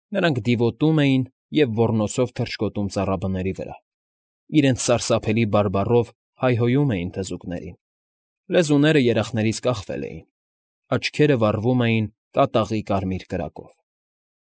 Նրանք դիվոտում էին և ոռնոցով թռչկոտում ծառաբների վրա, իրենց սարսափելի բարբառով հայհոյում էին թզուկներին, լեզուները երախներից կախվել էին, աչքերը վառվում էին կատաղի կարմիր կրակով։